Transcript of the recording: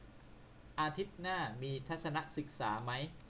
อาทิตย์หน้ามีทัศนศึกษามั้ย